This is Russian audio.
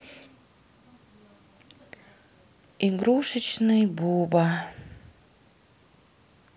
игрушечный буба